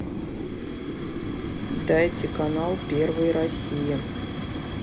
дайте канал первый россия